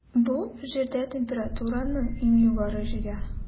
Бу - Җирдә температураның иң югары чиге.